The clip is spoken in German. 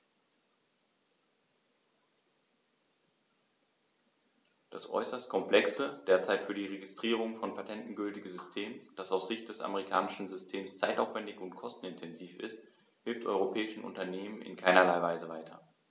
Das äußerst komplexe, derzeit für die Registrierung von Patenten gültige System, das aus Sicht des amerikanischen Systems zeitaufwändig und kostenintensiv ist, hilft europäischen Unternehmern in keinerlei Weise weiter.